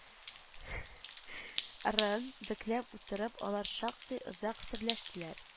Рын бөкләп утырып, алар шактый озак серләштеләр